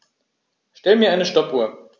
Stell mir eine Stoppuhr.